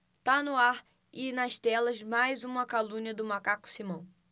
tá no ar e nas telas mais uma calúnia do macaco simão